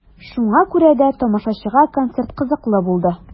Шуңа күрә дә тамашачыга концерт кызыклы булды.